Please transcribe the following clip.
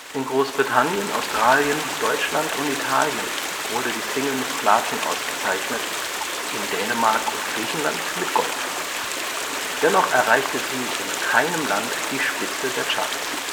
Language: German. In Großbritannien, Australien, Deutschland und Italien wurde die Single mit Platin ausgezeichnet, in Dänemark und Griechenland mit Gold. Dennoch erreichte sie in keinem Land die Spitze der Charts